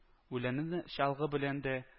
– үләнне чалгы белән дә